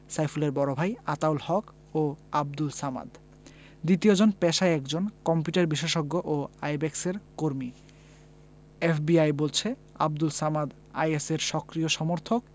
সাইফুলের বড় ভাই আতাউল হক ও আবদুল সামাদ দ্বিতীয়জন পেশায় একজন কম্পিউটার বিশেষজ্ঞ ও আইব্যাকসের কর্মী এফবিআই বলছে আবদুল সামাদ আইএসের সক্রিয় সমর্থক